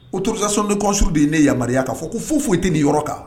O turusa sɔnden kɔsiw de ye ne yamaruyaya'a fɔ ko fo foyi tɛ ni yɔrɔ kan